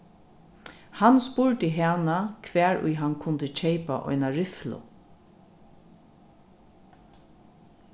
hann spurdi hana hvar ið hann kundi keypa eina riflu